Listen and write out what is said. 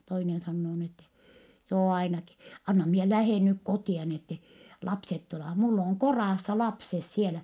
toinen sanoo niin että joo ainakin anna minä lähden nyt kotia niin että lapset tulevat minulla on kodassa lapset siellä